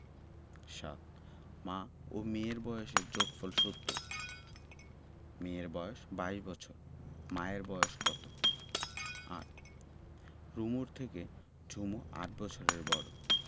৭ মা ও মেয়ের বয়সের যোগফল ৭০ মেয়ের বয়স ২২ বছর মায়ের বয়স কত ৮ রুমুর থেকে ঝুমু ৮ বছরের বড়